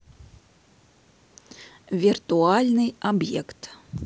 вертуальный объект